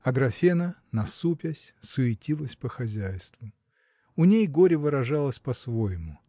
Аграфена, насупясь, суетилась по хозяйству. У ней горе выражалось по-своему.